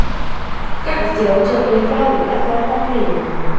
как сделать теплые полы от отопления